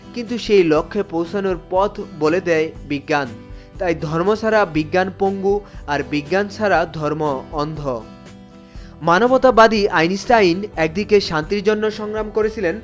কিন্তু সে লক্ষ্যে পৌঁছানোর পথ বলে দেয় বিজ্ঞান তাই ধর্ম ছাড়া বঙ্গ আর বিজ্ঞান ছাড়া ধর্ম অন্ধ মানবতাবাদি আইনস্টাইন একদিকে শান্তির জন্য সংগ্রাম করেছিলেন